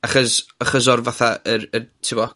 ...achos, achos o'r fath yr y t'bo'